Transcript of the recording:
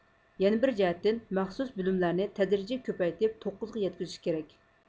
يەنە بىر جەھەتتىن مەخسۇس بۆلۈملەرنى تەدرىجىي كۆپەيتىپ توققۇزغا يەتكۈزۈش كېرەك